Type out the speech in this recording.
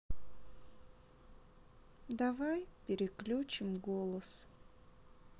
давай переключим голос